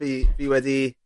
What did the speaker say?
Fi fi wedi